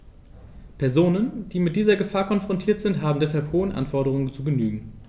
Personen, die mit dieser Gefahr konfrontiert sind, haben deshalb hohen Anforderungen zu genügen.